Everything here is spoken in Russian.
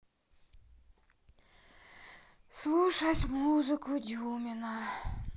слушать музыку дюмина